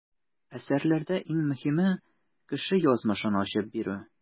Әсәрләрдә иң мөһиме - кеше язмышын ачып бирү.